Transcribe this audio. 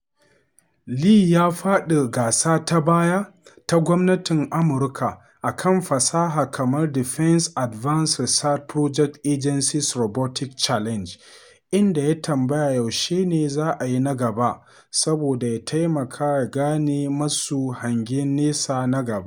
Lee ya faɗi gasa ta baya ta gwamnatin Amurka a kan fasaha kamar Defense Advanced Research Projects Agency's Robotics Challenge inda ya tambaya yaushe ne za a yi na gaban, saboda ya taimaka gane masu hange nesa na gaba.